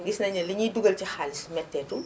gis nañu ne li ñuy dugal si xaalis métteetul